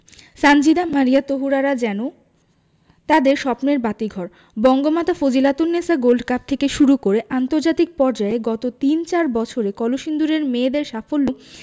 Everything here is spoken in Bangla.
সানজিদা মারিয়া তহুরারা যেন তাদের স্বপ্নের বাতিঘর বঙ্গমাতা ফজিলাতুন্নেছা গোল্ড কাপ থেকে শুরু করে আন্তর্জাতিক পর্যায়ে গত তিন চার বছরে কলসিন্দুরের মেয়েদের সাফল্য